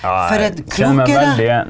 ja jeg kjenner meg veldig igjen.